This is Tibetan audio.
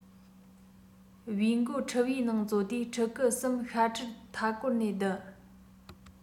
བེའུ མགོ ཕྲུ བའི ནང བཙོ དུས ཕྲུ གུ གསུམ ཤ ཕྲུར མཐའ སྐོར ནས བསྡད